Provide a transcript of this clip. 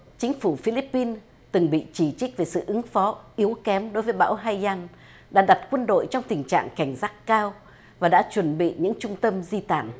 chính phủ phi líp pin từng bị chỉ trích về sự ứng phó yếu kém đối với bão hai gian đã đặt quân đội trong tình trạng cảnh giác cao và đã chuẩn bị những trung tâm di tản